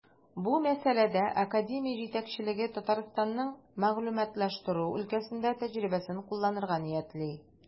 Бу мәсьәләдә академия җитәкчелеге Татарстанның мәгълүматлаштыру өлкәсендә тәҗрибәсен кулланырга ниятли.